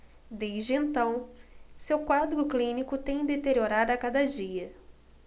desde então seu quadro clínico tem deteriorado a cada dia